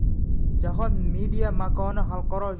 jahon media makoni xalqaro